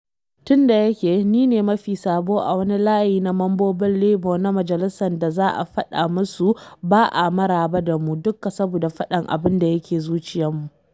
Tun da yake, ni ne mafi sabo a wani layi na mambobin Labour na majalisa da za a faɗa musu ba a maraba da mu - dukka saboda faɗan abi da ke zuciyarmu.